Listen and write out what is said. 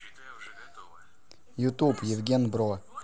ютуб евген бро